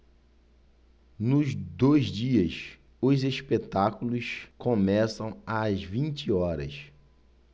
nos dois dias os espetáculos começam às vinte horas